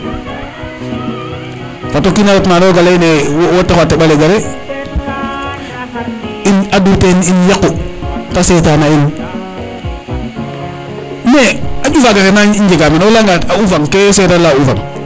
fato kina ret ma roog a leyne wo taxu a teɓale gare in ad wu te in yaqu te setana in mais xa ƴufa gaxe na njega mene o leya te ka ufan ke serer a leya ufan